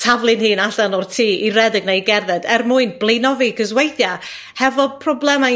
taflu'n hun allan o'r tŷ i redeg neu gerdded er mwyn blino fi 'c'os weithia', hefo problemau